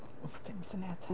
W dim syniad.